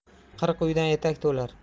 qirq uydan etak to'lar